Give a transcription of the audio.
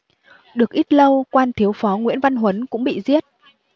được ít lâu quan thiếu phó nguyễn văn huấn cũng bị giết